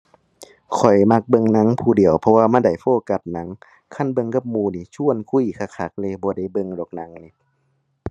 ข้อยมักเบิ่งหนังผู้เดียว เพราะว่ามันได้โฟกัสหนัง คันเบิ่งกับหมู่นี้ชวนคุยคักคักเลย บ่ได้เบิ่งดอกหนังนี้